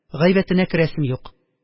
Гайбәтенә керәсем юк